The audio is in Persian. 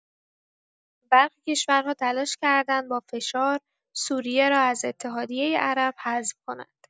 برخی کشورها تلاش‌کردند با فشار سوریه را از اتحادیه عرب حذف کنند.